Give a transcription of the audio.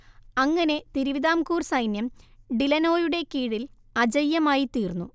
അങ്ങനെ തിരുവിതാംകൂർ സൈന്യം ഡി ലനോയുടെ കീഴിൽ അജയ്യമായിത്തീർന്നു